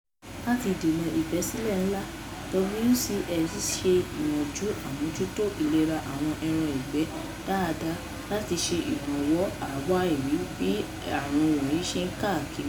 Láti dènà ìbẹ́sílẹ̀ ńlá, WCS ṣe ìyànjú àmójútó ìlera àwọn ẹran ìgbẹ́ dáadáa láti ṣe ìrànwọ́ àwárí bí àrùn wọ̀nyìí ṣe ń káàkiri.